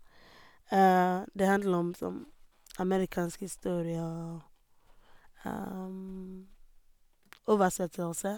Det handler om som amerikansk historie og oversettelse.